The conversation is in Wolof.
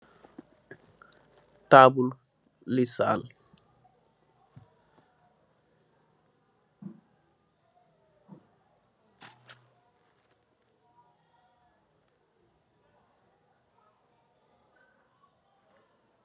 Tabull li sàl